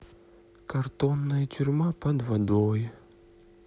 картонная тюрьма под водой